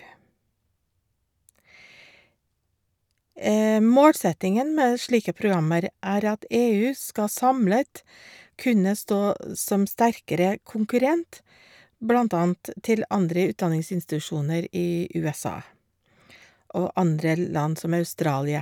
Målsettingen med slike programmer er at EU skal samlet kunne stå som sterkere konkurrent blant annet til andre utdanningsinstitusjoner i USA og andre land som Australia.